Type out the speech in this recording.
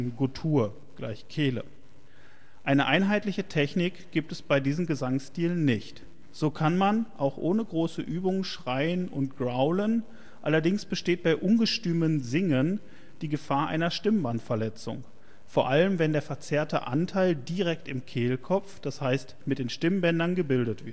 guttur „ Kehle “). Eine einheitliche Technik gibt es bei diesen Gesangstilen nicht. So kann man auch ohne große Übung „ schreien “oder „ growlen “, allerdings besteht bei ungestümem „ Singen “die Gefahr einer Stimmbandverletzung (vor allem wenn der verzerrte Anteil direkt im Kehlkopf, d.h. mit den Stimmbändern gebildet